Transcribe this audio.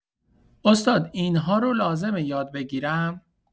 استاد این‌ها رو لازمه یاد بگیرم؟